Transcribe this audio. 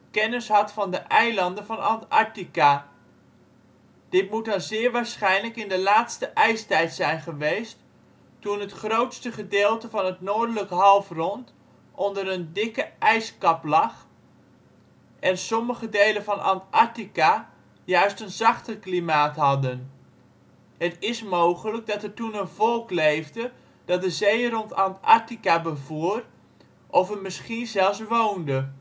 kennis had van de eilanden van Antarctica. Dit moet dan zeer waarschijnlijk in de laatste ijstijd zijn geweest, toen het grootste gedeelte van het noordelijke halfrond onder een dikke ijskap lag en sommige delen van Antarctica juist een zachter klimaat hadden. Het is mogelijk dat er toen een volk leefde dat de zeeën rond Antarctica bevoer of er misschien zelfs woonde